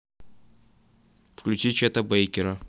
включи чета бейкера